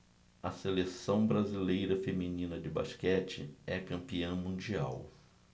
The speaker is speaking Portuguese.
a seleção brasileira feminina de basquete é campeã mundial